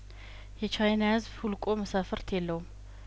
የቻይና ህዝብ ሁልቆ መሳፍርት የለውም